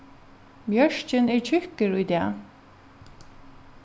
mjørkin er tjúkkur í dag